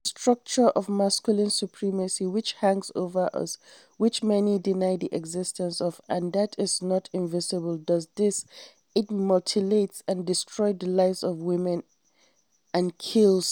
This structure of masculine supremacy which hangs over us and which many deny the existence of — and that is not invisible — does this: it mutilates and destroys the lives of women and KILLS!